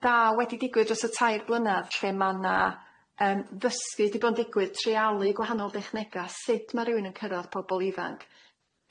da wedi digwydd dros y tair blynadd lle ma' na yym ddysgu di bo' yn digwydd treialu gwahanol dechnega sut ma' rywun yn cyrradd pobol ifanc?